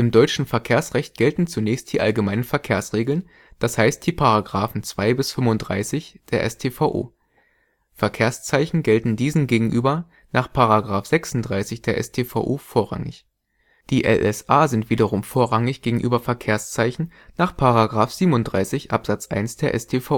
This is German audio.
deutschen Verkehrsrecht gelten zunächst die allgemeinen Verkehrsregeln, d. h. die §§ 2 bis 35 StVO. Verkehrszeichen gelten diesen gegenüber nach § 36 StVO vorrangig. Die LSA sind wiederum vorrangig gegenüber Verkehrszeichen nach § 37 Abs. 1 StVO